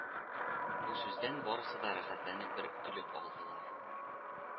Бу сүздән барысы да рәхәтләнеп бер көлеп алдылар